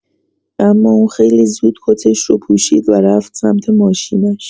اما اون خیلی زود کتش رو پوشید و رفت سمت ماشینش.